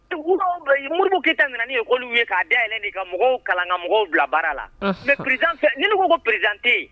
Modibo Keita nana ni école ye k'a dayɛlɛ ani ka mɔgɔw kalan, ka mɔgɔw bila baara la, unhun mais président fɛn Ni ne ko président tɛ yen